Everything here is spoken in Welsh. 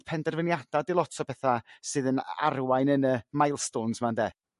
penderfyniada' 'dy lot o petha' sydd yn a- a- arwain yn y milstones 'ma 'nde?